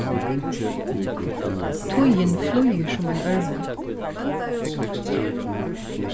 tíðin flýgur sum ein ørvur